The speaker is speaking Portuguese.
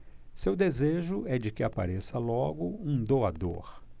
seu desejo é de que apareça logo um doador